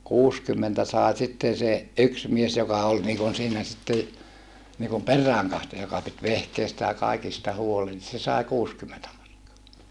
kuusikymmentä sai sitten se yksi mies joka oli niin kuin siinä sitten niin kuin peräänkatsoja joka piti vehkeistä ja kaikista huolen se sai kuusikymmentä markkaa